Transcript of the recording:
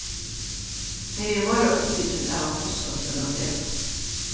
tey eru meira upptikin av at mussast enn at eta